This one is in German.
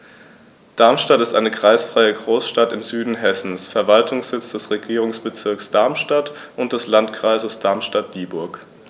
Darmstadt ist eine kreisfreie Großstadt im Süden Hessens, Verwaltungssitz des Regierungsbezirks Darmstadt und des Landkreises Darmstadt-Dieburg.